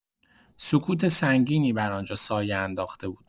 سکوت سنگینی بر آن‌جا سایه انداخته بود.